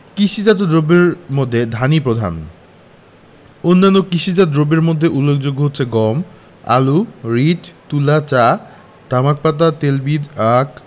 কৃষিজাত দ্রব্যের মধ্যে ধানই প্রধান অন্যান্য কৃষিজাত দ্রব্যের মধ্যে উল্লেখযোগ্য হচ্ছে গম আলু রীট তুলা চা তামাক পাতা তেলবীজ আখ